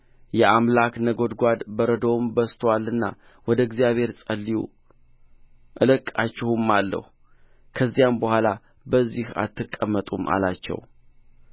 የአምላክ ነጎድጓድ በረዶውም በዝቶአልና ወደ እግዚአብሔር ጸልዩ እለቅቃችሁማለሁ ከዚያም በኋላ በዚህ አትቀመጡም አላቸው